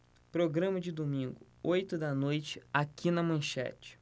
programa de domingo oito da noite aqui na manchete